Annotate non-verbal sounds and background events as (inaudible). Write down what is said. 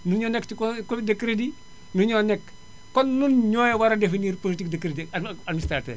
ñun ñoo nekk ci con conseil de crédit yi ñun ñoo nekk kon ñun ñoo war a definir politique de crédit ak (noise) adminstrateurs yi